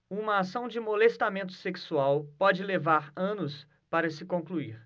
uma ação de molestamento sexual pode levar anos para se concluir